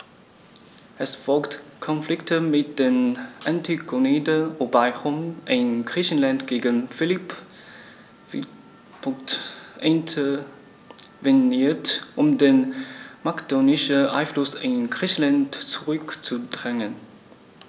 Es folgten Konflikte mit den Antigoniden, wobei Rom in Griechenland gegen Philipp V. intervenierte, um den makedonischen Einfluss in Griechenland zurückzudrängen.